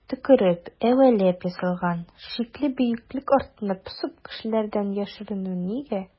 Төкерекләп-әвәләп ясалган шикле бөеклек артына посып кешеләрдән яшеренү нигә?